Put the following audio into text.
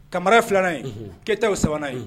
Kamara y'a 2 nan ye Keyita y'u 3 nan ye.